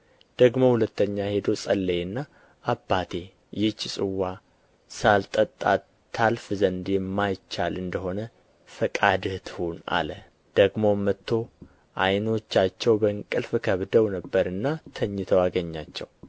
ደግሞ ሁለተኛ ሄዶ ጸለየና አባቴ ይህች ጽዋ ሳልጠጣት ታልፍ ዘንድ የማይቻል እንደ ሆነ ፈቃድህ ትሁን አለ ደግሞም መጥቶ ዓይኖቻቸው በእንቅልፍ ከብደው ነበርና ተኝተው አገኛቸው